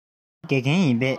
རང དགེ རྒན ཡིན པས